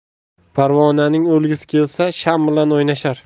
parvonaning o'lgisi kelsa sham bilan o'ynashar